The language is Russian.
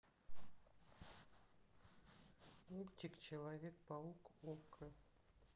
мультик человек паук окко